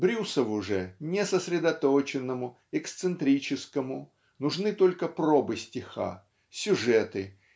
Брюсову же несосредоточенному эксцентрическому нужны только пробы стиха сюжеты